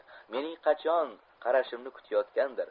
mening qachon qarashimni kutayotgandir